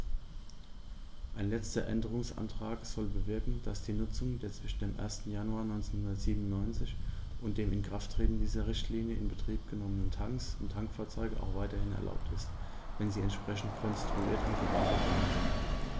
Ein letzter Änderungsantrag soll bewirken, dass die Nutzung der zwischen dem 1. Januar 1997 und dem Inkrafttreten dieser Richtlinie in Betrieb genommenen Tanks und Tankfahrzeuge auch weiterhin erlaubt ist, wenn sie entsprechend konstruiert und gewartet worden sind.